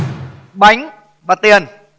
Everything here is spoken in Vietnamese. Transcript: bánh và tiền